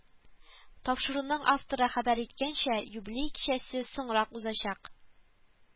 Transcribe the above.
Тапшыруның авторы хәбәр иткәнчә, юбилей кичәсе соңрак узачак